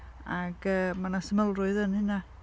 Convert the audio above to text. ac yy mae 'na symlrwydd yn hynna.